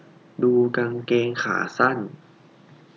ดูกางเกงขาสั้น